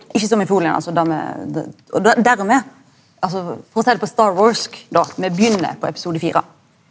ikkje som i folioen altså da med og da dermed altså for å seie det på då vi begynner på episode fire.